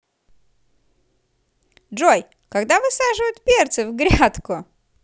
джой когда высаживают перцы в грядку